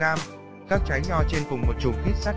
g các trái nho trên cùng một chùm khít sát nhau